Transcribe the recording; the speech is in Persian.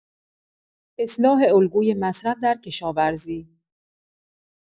اصلاح الگوی مصرف در کشاورزی